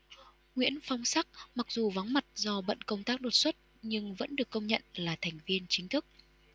nguyễn phong sắc mặc dù vắng mặt do bận công tác đột xuất nhưng vẫn được công nhận là thành viên chính thức